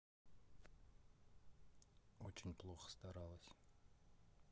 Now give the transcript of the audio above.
очень плохо старалась